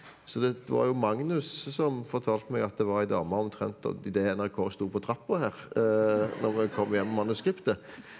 så det var jo Magnus som fortalte meg at det var ei dame omtrent da i det NRK sto på trappa her når vi kom hjem med manuskriptet.